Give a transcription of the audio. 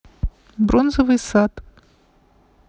бронзовый сад